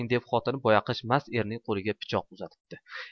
deb xotin boyaqish mast erining qo'liga pichoq uzatibdi